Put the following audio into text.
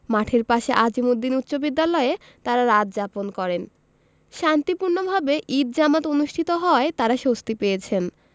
মাঠের পাশে আজিমুদ্দিন উচ্চবিদ্যালয়ে তাঁরা রাত যাপন করেন শান্তিপূর্ণভাবে ঈদ জামাত অনুষ্ঠিত হওয়ায় তাঁরা স্বস্তি পেয়েছেন